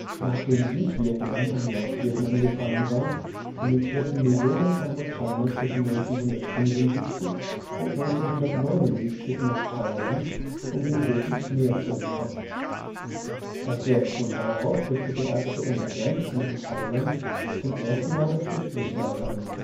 Nachdem Südvietnam an Nordvietnam gefallen war, emigrierten Millionen Kambodschaner zwischen 1975 und 1979 nach Thailand, um den Roten Khmer zu entkommen. Als Reaktion darauf richtete „ Ärzte ohne Grenzen “in Thailand zum ersten Mal ein Flüchtlingslager ein